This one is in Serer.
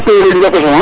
*